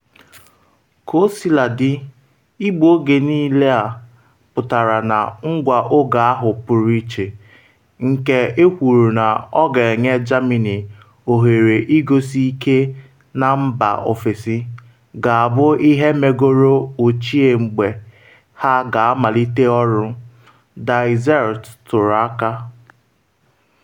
Kosiladị, igbu oge niile a pụtara na ngwa ọgụ ahụ pụrụ iche - nke ekwuru na ọ ga-enye Germany oghere igosi ike na mba ofesi -ga-abụ ihe megoro ochie mgbe ha ga-amalite ọrụ, Die Zelt tụrụ aka.